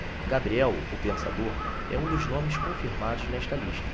gabriel o pensador é um dos nomes confirmados nesta lista